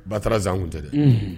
Batara Zan kun tɛ dɛ!